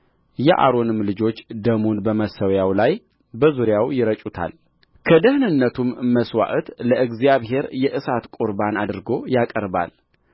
ከደኅንነቱም መሥዋዕት ለእግዚአብሔር የእሳት ቍርባን አድርጎ ያቀርባል